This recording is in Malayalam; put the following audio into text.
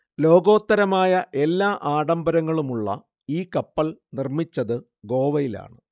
ലോകോത്തരമായ എല്ലാ ആഡംബരങ്ങളുമുള്ള ഈ കപ്പൽ നിർമ്മിച്ചത് ഗോവയിലാണ്